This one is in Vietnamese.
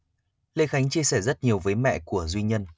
lê khánh chia sẻ rất nhiều với mẹ của duy nhân